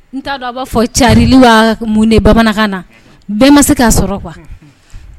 B'a fɔ ca mun bamanankan na bɛɛ ma se k'a sɔrɔ